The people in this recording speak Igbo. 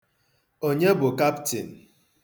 Onye bụ kaptịn?